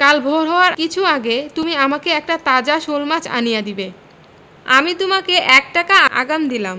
কাল ভোর হওয়ার কিছু আগে তুমি আমাকে একটি তাজা শোলমাছ আনিয়া দিবে আমি তোমাকে এক টাকা আগাম দিলাম